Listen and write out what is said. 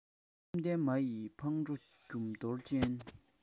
བཅོམ ལྡན མ ཡི ཕང འགྲོ རྒྱུད སྟོང ཅན